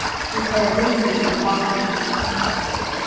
vit eiga grundstykki í hvalvík